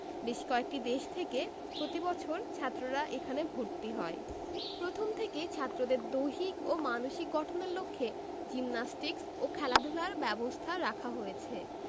বেশ কয়েকটি দেশ থেকে প্রতি বছর ছাত্ররা এখানে ভর্তি হয় প্রথম থেকেই ছাত্রদের দৈহিক ও মানসিক গঠনের লক্ষ্যে জিমনাস্টিকস ও খেলাধুলার ব্যবস্থা রাখা হয়েছে